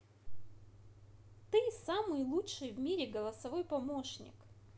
ты самый лучший в мире голосовой помощник